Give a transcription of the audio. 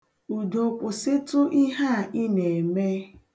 Udo kwụsịtụ ihe a ị na-eme.